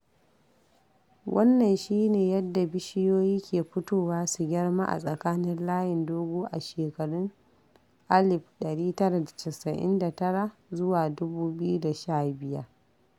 Wannan shi ne yadda bishiyoyi ke fitowa su girma a tsakanin layin dogo a shekarun 1999 zuwa 2015…